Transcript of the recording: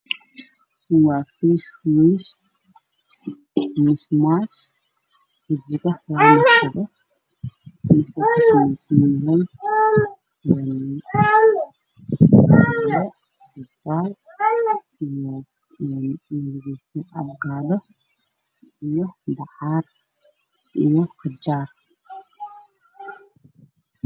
Meshan waxaa yaalo kareen ka la isku cadeeyo midab koodu yahay caddaan madow iyo cadeys